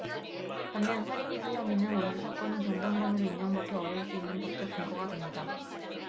반면 살인미수 혐의는 원주 사건이 정당방위로 인정받기 어려울 수 있는 법적 근거가 됩니다